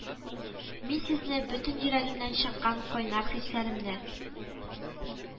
Мин сезне, бөтен йөрәгемнән чыккан кайнар хисләремне